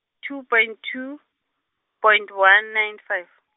two point two, point one nine five.